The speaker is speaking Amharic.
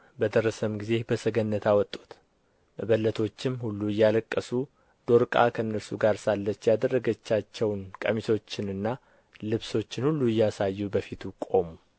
በደረሰም ጊዜ በሰገነት አወጡት መበለቶችም ሁሉ እያለቀሱ ዶርቃ ከእነርሱ ጋር ሳለች ያደረገቻቸውን ቀሚሶችንና ልብሶችን ሁሉ እያሳዩት በፊቱ ቆሙ